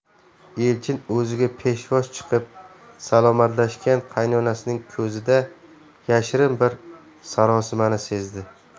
elchin o'ziga peshvoz chiqib salomlashgan qaynonasining ko'zida yashirin bir sarosimani sezdi